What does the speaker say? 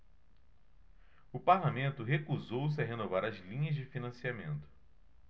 o parlamento recusou-se a renovar as linhas de financiamento